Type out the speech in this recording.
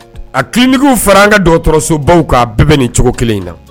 A kitigiw fara an ka dɔgɔtɔrɔso baw'a bɛɛ bɛ ni cogo kelen in na